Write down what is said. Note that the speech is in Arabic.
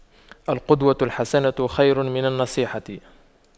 القدوة الحسنة خير من النصيحة